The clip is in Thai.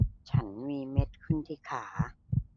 ฉันมีเม็ดขึ้นที่ขา